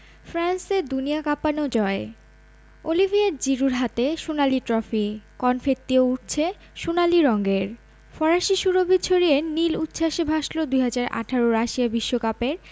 ফ্রান্সের দুনিয়া কাঁপানো জয় অলিভিয়ের জিরুর হাতে সোনালি ট্রফি কনফেত্তিও উড়ছে সোনালি রঙের ফরাসি সুরভি ছড়িয়ে নীল উচ্ছ্বাসে ভাসল ২০১৮ রাশিয়া বিশ্বকাপের